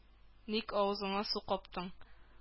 Ник авызыңа су каптың?